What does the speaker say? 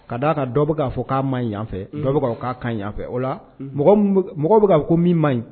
Ka d'a kan dɔ bɛ k'a fɔ k'a ma ɲiyanfɛ k'a kanfɛ o la mɔgɔ bɛ'a fɔ ko min man ɲi